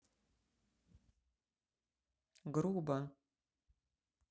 грубо